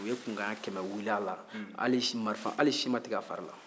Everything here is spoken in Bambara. u ye kunkan ɲɛ kɛmɛ wuli a la hali si ma tigɛ a fari la